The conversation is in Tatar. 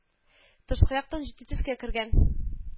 Тышкы яктан Җитди төскә кергән